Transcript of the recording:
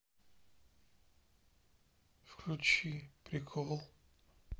включи прикол